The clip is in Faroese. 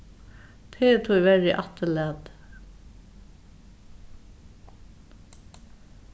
tað er tíverri afturlatið